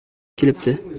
mana vakil bo'lib kelibdi